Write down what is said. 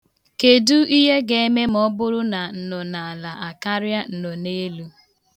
Kedụ ihe ga-eme ma ọ bụrụ na nnọnaala akarịa nnọneelu?